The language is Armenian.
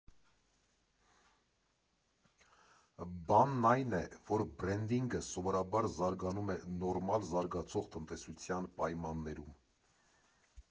Բանն այն է, որ բրենդինգը սովորաբար զարգանում է նորմալ զարգացող տնտեսության պայմաններում։